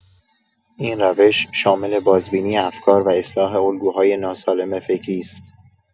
این روش شامل بازبینی افکار و اصلاح الگوهای ناسالم فکری است.